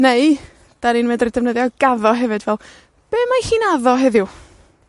Neu 'dan ni'n medr defnyddio gaddo hefyd fel, be' ma' hi'n addo heddiw?